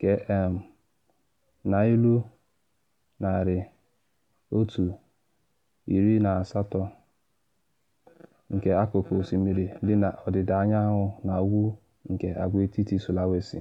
km (maịlụ 180) nke akụkụ osimiri dị na ọdịda anyanwụ na ugwu nke agwaetiti Sulawesi.